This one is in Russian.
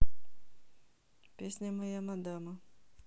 песня моя мадама